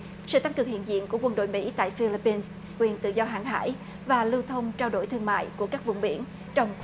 sự tăng cường hiện diện của quân đội mỹ tại phi líp pin quyền tự do hàng hải và lưu thông trao đổi thương mại của các vùng biển trong